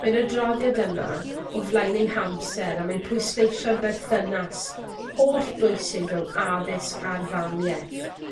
Mae'r adroddiad yma o flaen ei hamser a mae'n pwysleisio'r berthynas hollbwysig rhwng addysg a'r famieth.